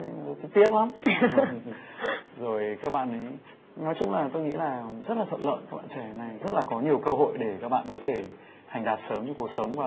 tôi tiếc lắm rồi các bạn ý nói chung là tôi nghĩ là rất là thuận lợi bọn trẻ này rất là có nhiều cơ hội để các bạn có thể thành đạt sớm trong cuộc sống